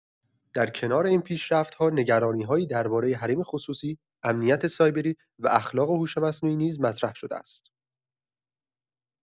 در کنار این پیشرفت‌ها، نگرانی‌هایی درباره حریم خصوصی، امنیت سایبری و اخلاق هوش مصنوعی نیز مطرح شده است.